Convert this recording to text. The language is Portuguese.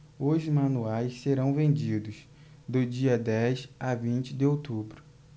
os manuais serão vendidos do dia dez a vinte de outubro